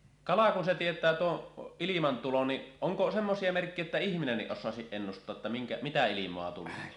kala kun se tietää tuon ilman tulon niin onko semmoisia merkkejä että ihminenkin osaisi ennustaa että mitä ilmaa tulee